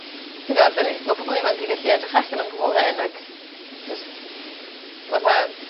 ti g'od 'dyn ni ma' pobol ifanc yn gallu edrych allan am pobol hen ag jyst fatha